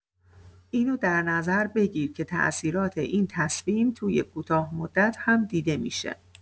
اینو در نظر بگیر که تاثیرات این تصمیم توی کوتاه‌مدت هم دیده می‌شه.